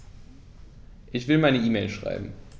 Ich will eine E-Mail schreiben.